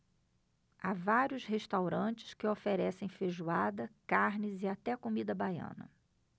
há vários restaurantes que oferecem feijoada carnes e até comida baiana